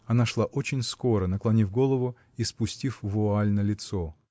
она шла очень скоро, наклонив голову и спустив вуаль на лицо.